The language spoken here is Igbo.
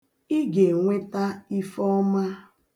Ị ga-enweta ifeọma.